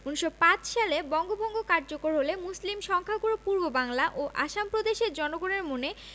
১৯০৫ সালে বঙ্গভঙ্গ কার্যকর হলে মুসলিম সংখ্যাগুরু পূর্ববাংলা ও আসাম প্রদেশের জনগণের মনে